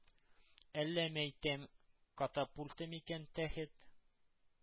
Әллә, мәйтәм, катапульта микән тәхет –